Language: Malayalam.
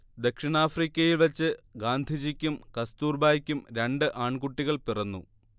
ദക്ഷിണാഫ്രിക്കയിൽ വച്ച് ഗാന്ധിജിക്കും കസ്തൂർബായ്ക്കും രണ്ട് ആൺകുട്ടികൾ പിറന്നു